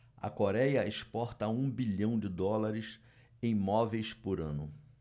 a coréia exporta um bilhão de dólares em móveis por ano